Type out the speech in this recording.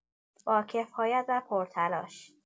با کفایت و پرتلاش